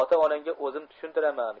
ota onangga o'zim tushuntiraman